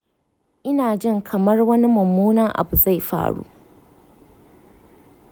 ina jin kamar wani mummunan abu zai faru.